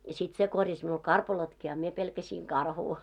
ja sitten se korjasi minulle karpalotkin a minä pelkäsin karhua